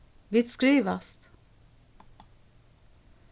vit skrivast